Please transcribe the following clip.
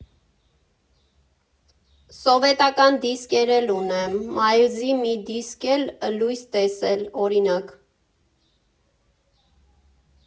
Սովետական դիսկեր էլ ունեմ, Մայլզի մի դիսկ էր լույս տեսել, օրինակ։